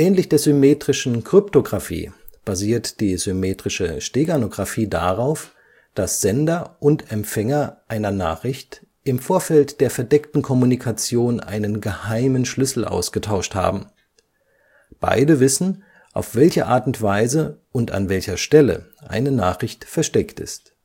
Ähnlich der symmetrischen Kryptographie basiert die symmetrische Steganographie darauf, dass Sender und Empfänger einer Nachricht im Vorfeld der verdeckten Kommunikation einen geheimen Schlüssel ausgetauscht haben. Beide wissen, auf welche Art und Weise und an welcher Stelle eine Nachricht versteckt ist